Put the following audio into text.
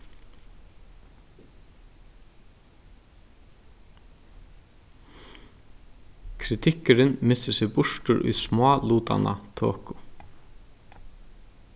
kritikkurin missir seg burtur í smálutanna toku